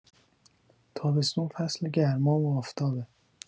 تابستون فصل گرما و آفتابه.